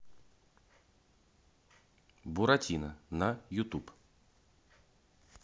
буратино на ютуб